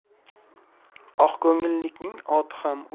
oqko'ngillikning oti ham